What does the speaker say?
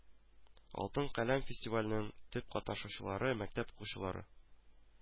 Алтын каләм фестиваленең төп катнашучылары мәктәп укучылары